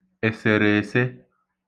èsèrèèse